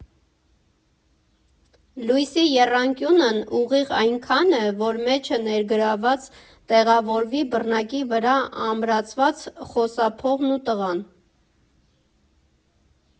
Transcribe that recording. Լույսի եռանկյունն ուղիղ այնքան է, որ մեջը ներգծված տեղավորվի բռնակի վրա ամրացված խոսափողն ու տղան։